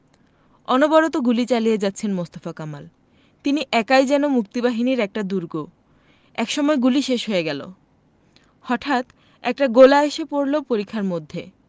অনবরত গুলি চালিয়ে যাচ্ছেন মোস্তফা কামাল তিনি একাই যেন মুক্তিবাহিনীর একটা দুর্গ একসময় গুলি শেষ হয়ে গেল হঠাত একটা গোলা এসে পড়ল পরিখার মধ্যে